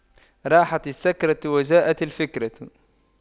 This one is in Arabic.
راحت السكرة وجاءت الفكرة